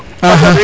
axa